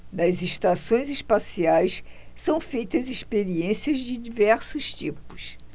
nas estações espaciais são feitas experiências de diversos tipos